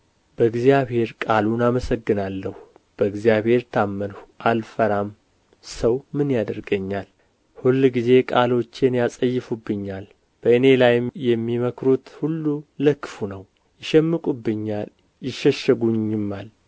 በእግዚአብሔር ቃሉን አመሰግናለሁ በእግዚአብሔር ታመንሁ አልፈራም ሰው ምን ያደርገኛል ሁልጊዜ ቃሎቼን ያጸይፉብኛል በእኔ ላይም የሚመክሩት ሁሉ ለክፉ ነው ይሸምቁብኛል ይሸሽጉኝማል